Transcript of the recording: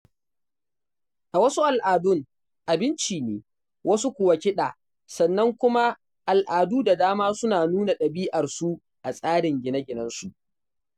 A wasu al'adun, abinci ne, wasu kuwa kiɗa sannan kuma al'adu da dama suna nuna ɗabi'arsu a tsarin gine-ginensu.